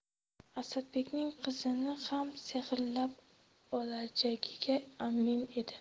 asadbekning qizini ham sehrlab olajagiga amin edi